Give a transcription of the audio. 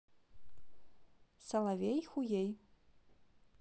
соловей хуей